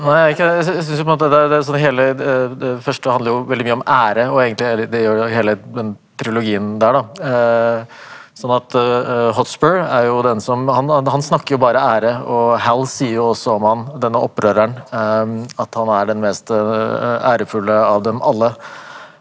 nei jeg er ikke det jeg syns jo på en måte det det er sånn hele det det første handler jo veldig mye om ære og egentlig hele det gjør jo hele den triologien der da sånn at Hotspur er jo den som han da han snakker jo bare ære og Hal sier jo også om ham denne opprøreren at han er den mest ærefulle av dem alle.